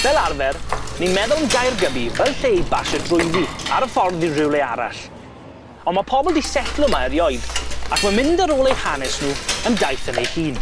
Fel arfer ni'n meddwl am Gaergybi fel lle i basio drwyddi ar y ffordd i rywle arall on' ma' pobol di setlo 'ma erioed ac ma' mynd ar ôl eu hanes n'w yn daith yn ei hun.